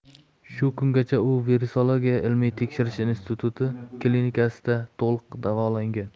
shu kungacha u virusologiya ilmiy tekshirish instituti klinikasida to'liq davolangan